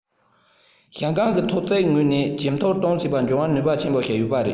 ཞང ཀང གི ཐོག བརྩེགས ངོས ནས ཇེ མཐོར གཏོང སྲིད པ འབྱུང བར ནུས པ ཆེན པོ ཞིག ཡོད པ རེད